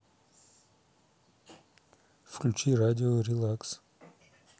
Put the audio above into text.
включи радио релакс